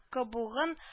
Кобугын